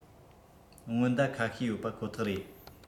སྔོན བརྡ ཁ ཤས ཡོད པ ཁོ ཐག རེད